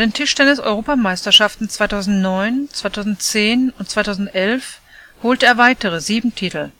Tischtennis-Europameisterschaften 2009, 2010 und 2011 holte er weitere sieben Titel